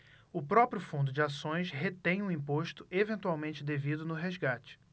o próprio fundo de ações retém o imposto eventualmente devido no resgate